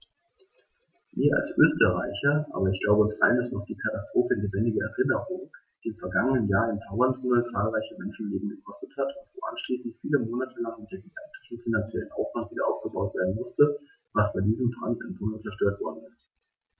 Mir als Österreicher, aber ich glaube, uns allen ist noch die Katastrophe in lebendiger Erinnerung, die im vergangenen Jahr im Tauerntunnel zahlreiche Menschenleben gekostet hat und wo anschließend viele Monate lang mit gigantischem finanziellem Aufwand wiederaufgebaut werden musste, was bei diesem Brand im Tunnel zerstört worden ist.